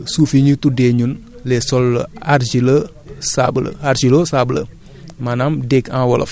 mooy suuf yi ñuy tuddee ñun les sols argileux sableux argileux sableux